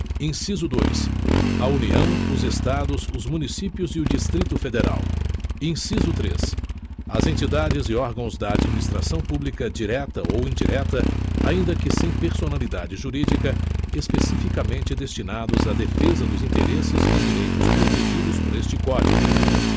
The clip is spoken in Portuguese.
inciso dois a união os estados os municípios e o distrito federal inciso três as entidades e órgãos da administração pública direta ou indireta ainda que sem personalidade jurídica especificamente destinados à defesa dos interesses e direitos protegidos por este código